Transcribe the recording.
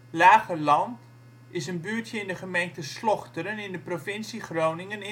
Lagelaand) is een buurtje in de gemeente Slochteren in de provincie Groningen